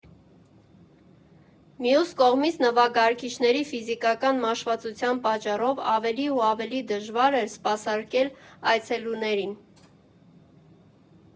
Մյուս կողմից՝ նվագարկիչների ֆիզիկական մաշվածության պատճառով ավելի ու ավելի դժվար էր սպասարկել այցելուներին։